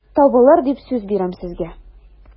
Табылыр дип сүз бирәм сезгә...